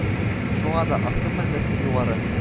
Шуңа да аксым матдәсе югары